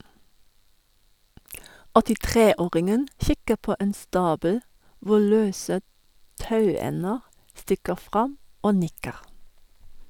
83-åringen kikker på en stabel hvor løse tauender stikker fram, og nikker.